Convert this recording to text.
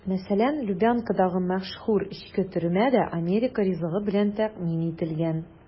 Мәсәлән, Лубянкадагы мәшһүр эчке төрмә дә америка ризыгы белән тәэмин ителгән.